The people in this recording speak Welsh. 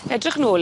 Edrych nôl...